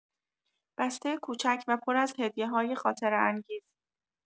بسته کوچک و پر از هدیه‌های خاطره‌انگیز